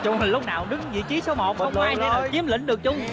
chung lúc nào cũng đứng vị trí số một không ai chiếm lĩnh được chung